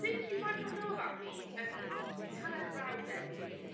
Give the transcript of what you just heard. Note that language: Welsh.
Things you might not know about me, yn hanner frawddeg o hyd.